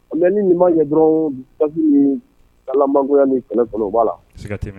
Mais ni nin ma ɲɛ dɔrɔnw, dusukasi ni dalmangoya ni kɛlɛ fana o b'a' la sika t'a la